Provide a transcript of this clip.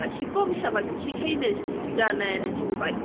Like, she bombshelled, like, she came in she was stunning, and she was like...